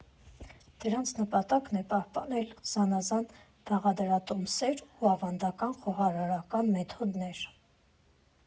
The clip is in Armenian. Դրանց նպատակն է պահպանել զանազան բաղադրատոմսեր ու ավանդական խոհարարական մեթոդներ։